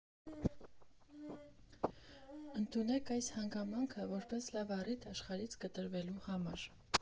Ընդունեք այս հանգամանքը, որպես լավ առիթ աշխարհից կտրվելու համար։